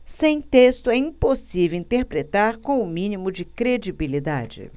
sem texto é impossível interpretar com o mínimo de credibilidade